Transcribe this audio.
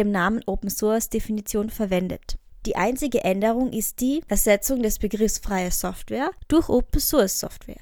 Namen Open Source Definition verwendet; die einzige Änderung ist die Ersetzung des Begriffs „ freie Software “durch „ Open Source Software